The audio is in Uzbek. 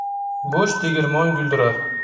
bo'sh tegirmon guldirar